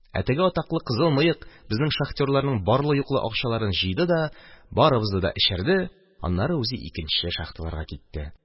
Ә теге атаклы Кызыл мыек безнең шахтёрларның барлы-юклы акчаларын җыйды да барыбызны да эчерде, аннары үзе икенче шахталарга китте.